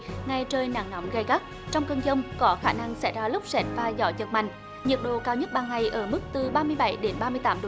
ngày trời nắng nóng gay gắt trong cơn dông có khả năng xảy ra lốc sét và gió giật mạnh nhiệt độ cao nhất ba ngày ở mức từ ba mươi bảy đến ba mươi tám độ